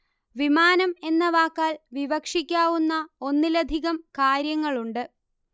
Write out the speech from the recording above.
വിമാനം എന്ന വാക്കാൽ വിവക്ഷിക്കാവുന്ന ഒന്നിലധികം കാര്യങ്ങളുണ്ട്